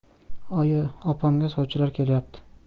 oyi opamga sovchilar kelyapti